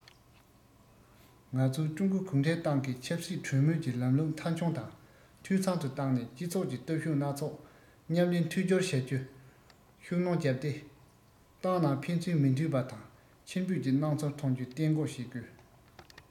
ང ཚོས ཀྲུང གོ གུང ཁྲན ཏང གིས ཆབ སྲིད གྲོས མོལ གྱི ལམ ལུགས མཐའ འཁྱོངས དང འཐུས ཚང དུ བཏང ནས སྤྱི ཚོགས ཀྱི སྟོབས ཤུགས སྣ ཚོགས མཉམ ལས མཐུན སྦྱོར བྱ རྒྱུར ཤུགས སྣོན བརྒྱབ སྟེ ཏང ནང ཕན ཚུན མི མཐུན པ དང ཕྱིར འབུད ཀྱི སྣང ཚུལ ཐོན རྒྱུ གཏན འགོག བྱེད དགོས